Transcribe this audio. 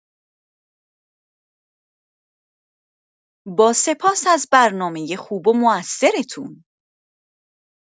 با سپاس از برنامه خوب و موثرتون.